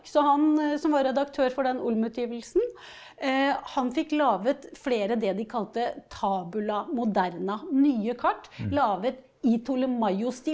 så han som var redaktør for den olm-utgivelsen, han fikk laget flere det de kalte tabula moderna, nye kart laget i Ptolemaios-stil.